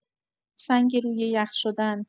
سنگ روی یخ شدن